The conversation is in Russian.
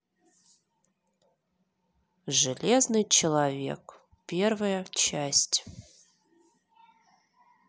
железный человек первая часть